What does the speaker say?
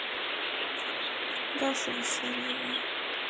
даша васильева